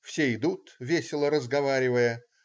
Все идут, весело разговаривая.